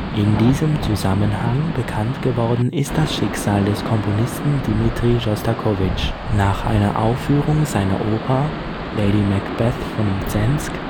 In diesem Zusammenhang bekannt geworden ist das Schicksal des Komponisten Dmitri Schostakowitsch. Nach einer Aufführung seiner Oper Lady Macbeth von Mzensk